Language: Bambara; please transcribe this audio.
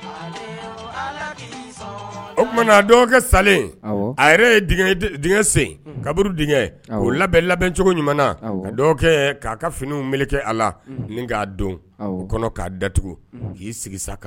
O sa a kaburu d labɛn labɛncogo ɲuman kaa ka finiw m kɛ a la k' don kɔnɔ k'a datugu k'i sigi